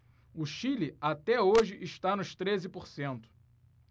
o chile até hoje está nos treze por cento